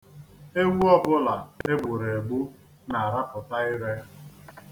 Ewu ọbụla e gburu egbu na-arapụta ire.